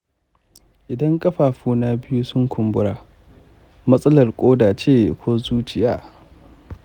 idan ƙafafuna biyu sun kumbura, matsalar ƙoda ce ko ta zuciya?